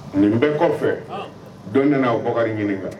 Nin bɛɛ kɔfɛ dɔ nana Abuakar ɲininka.